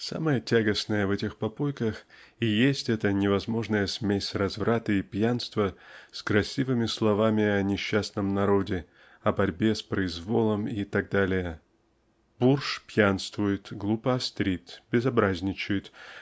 Самое тягостное в этих попойках и есть эта невозможная смесь разврата и пьянства с красивыми словами о несчастном народе о борьбе с произволом и т. д. Бурш пьянствует глупо острит безобразничает